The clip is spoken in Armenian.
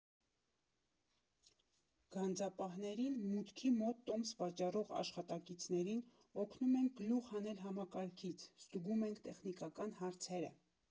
Գանձապահներին, մուտքի մոտ տոմս վաճառող աշխատակիցներին օգնում ենք գլուխ հանել համակարգից, ստուգում ենք տեխնիկական հարցերը։